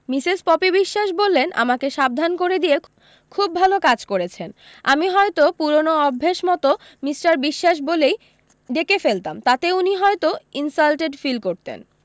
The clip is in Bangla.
মিসেস পপি বিশোয়াস বললেন আমাকে সাবধান করে দিয়ে খুব ভালো কাজ করেছেন আমি হয়তো পুরোনো অভ্যেস মতো মিষ্টার বিশ্বাস বলেই ডেকে ফেলতাম তাতে উনি হয়তো ইনসাল্টেড ফিল করতেন